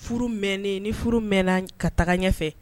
Furu mɛnen ni furu mɛnna ka taga ɲɛfɛ